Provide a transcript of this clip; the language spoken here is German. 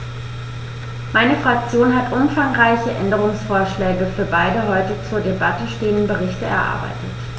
Meine Fraktion hat umfangreiche Änderungsvorschläge für beide heute zur Debatte stehenden Berichte erarbeitet.